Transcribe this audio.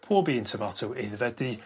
pob un tomato aeddfedu